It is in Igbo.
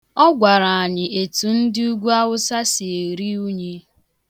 Ọ gwara anyị etu ndị ugwuawụsa si eru unyi.